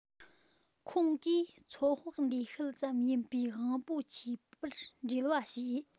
ཁོང གིས ཚོད དཔག འདིས ཤུལ ཙམ ཡིན པའི དབང པོ མཆིས པར འགྲེལ བཤད བྱས